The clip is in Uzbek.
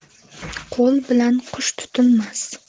qo'l bilan qush tutilmas